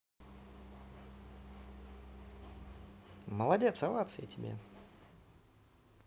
молодец овации тебе